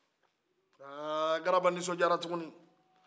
aa graba ninsɔndiyara tuguni